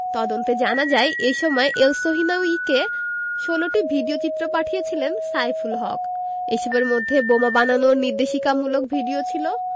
তদন্তে জানা যায় এ সময় এলসহিনাউয়িকে ১৬টি ভিডিওচিত্র পাঠিয়েছিলেন সাইফুল হক এসবের মধ্যে বোমা বানানোর নির্দেশিকামূলক ভিডিও ছিল